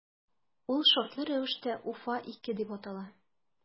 Ул шартлы рәвештә “Уфа- 2” дип атала.